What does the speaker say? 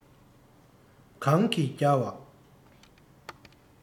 གང གིས བསྐྱལ བ